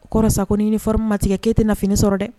O ko sa ko n fɔ matigɛkɛ k'e tɛ na fini sɔrɔ dɛ